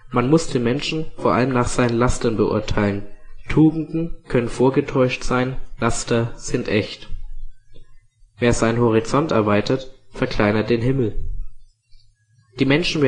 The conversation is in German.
Man muss den Menschen vor allem nach seinen Lastern beurteilen. Tugenden können vorgetäuscht sein. Laster sind echt. Wer seinen Horizont erweitert, verkleinert den Himmel. Die Menschen